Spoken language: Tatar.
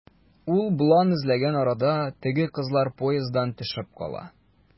Ул болан эзләгән арада, теге кызлар поезддан төшеп кала.